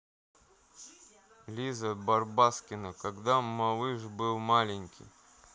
лиза барбоскина когда малыш был маленький